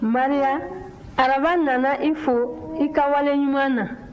maria araba nana i fo i ka waleɲuman na